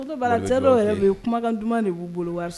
Yɛrɛ kumakan duman b'u bolo